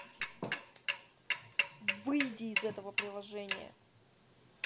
выйди из этого приложения